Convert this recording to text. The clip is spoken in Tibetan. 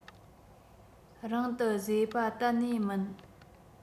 རང དུ བཟོས བ གཏན ནས མིན